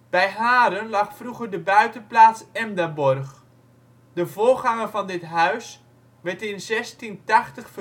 Bij Haren lag vroeger de buitenplaats Emdaborg. De voorganger van dit huis werd in 1680 verkocht